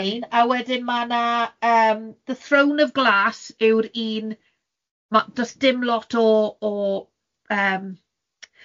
Darllen rhein, a wedyn ma'na yym The Throne of Glass yw'r un ma- do's dim lot o o yym.